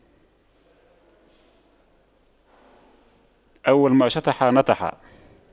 أول ما شطح نطح